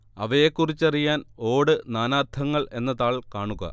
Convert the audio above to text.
അവയെക്കുറിച്ചറിയാൻ ഓട് നാനാർത്ഥങ്ങൾ എന്ന താൾ കാണുക